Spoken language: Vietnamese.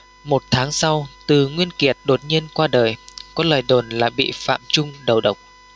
một tháng sau từ nguyên kiệt đột nhiên qua đời có lời đồn là bị phạm chung đầu độc